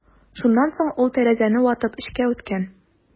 Шуннан соң ул тәрәзәне ватып эчкә үткән.